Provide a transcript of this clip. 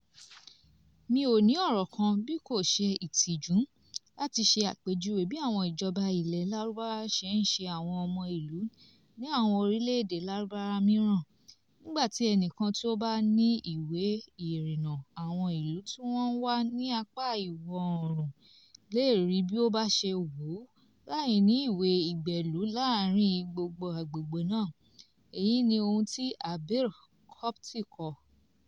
Mi ò ní ọ̀rọ̀ kan, bí kò ṣe ìtìjú, láti ṣe àpèjúwe bí àwọn ìjọba ilẹ̀ Lárúbáwá ṣe ń ṣe àwọn ọmọ ìlú ni àwọn orílẹ̀ èdè Lárúbáwá mìíràn, nígbà tí ẹnì kan tí ó bá ní ìwé ìrìnnà àwọn ìlú tí wọ́n wà ní apá ìwọ̀ oòrùn lè rìn bí ó bá ṣe wù ú láì ní ìwé ìgbélù láàárín gbogbo àgbègbè náà, " èyí ni ohun tí Abir Kopty kọ.